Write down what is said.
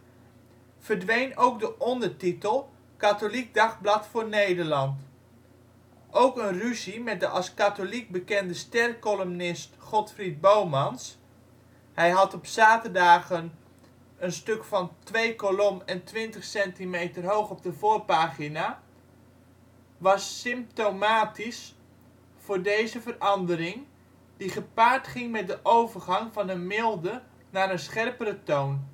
verdween ook de ondertitel ' katholiek dagblad voor Nederland '. Ook een ruzie met de als katholiek bekende ster-columnist Godfried Bomans (hij had op zaterdagen een stuk van 2 kolom en 20 cm hoog op de voorpagina) was symptomatisch voor deze verandering, die gepaard ging met de overgang van een milde naar een scherpere toon